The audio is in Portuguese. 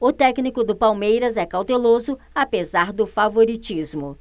o técnico do palmeiras é cauteloso apesar do favoritismo